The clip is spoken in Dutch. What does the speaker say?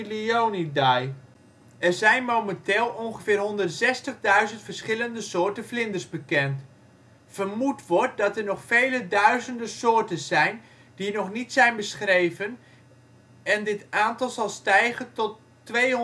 Er zijn momenteel ongeveer 160.000 verschillende soorten vlinders bekend. Vermoed wordt dat er nog vele duizenden soorten zijn die nog niet zijn beschreven en dit aantal zal stijgen tot 200.000